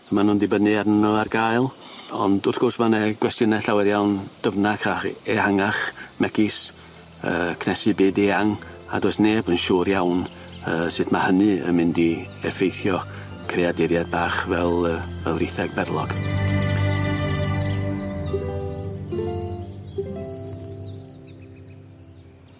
ma' nw'n dibynnu arnyn nw ar gael ond wrth gwrs ma' 'ne gwestiyne llawer iawn dyfnach a ech- ehangach megis yy cnesu byd eang a does neb yn siŵr iawn yy sud ma' hynny yn mynd i effeithio creaduried bach fel yy y fritheg berlog.